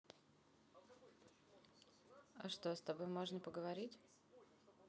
а что с тобой можно поговорить